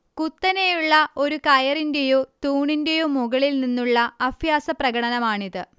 കുത്തനെയുള്ള ഒരു കയറിന്റെയോ തൂണിന്റെയോ മുകളിൽ നിന്നുള്ള അഭ്യാസപ്രകടനമാണിത്